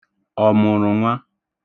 ọ̀mụ̀ṙụ̀nwa